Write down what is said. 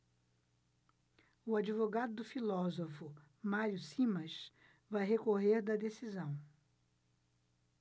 o advogado do filósofo mário simas vai recorrer da decisão